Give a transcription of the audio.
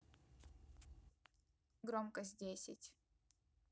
громкость десять